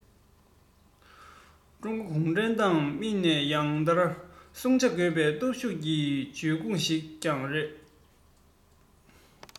ཀྲུང གོའི གུང ཁྲན ཏང མིས ནམ ཡང བརྟན སྲུང བྱ དགོས པའི སྟོབས ཤུགས ཀྱི འབྱུང ཁུངས ཤིག ཀྱང རེད